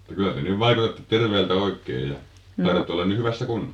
mutta kyllä te nyt vaikutatte terveeltä oikein ja taidatte olla nyt hyvässä kunnossa